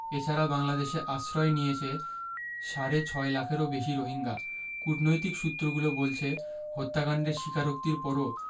এ ছাড়া বাংলাদেশে আশ্রয় নিয়েছে সাড়ে ছয় লাখেরও বেশি রোহিঙ্গা কূটনৈতিক সূত্রগুলো বলছে হত্যাকাণ্ডের স্বীকারোক্তির পরও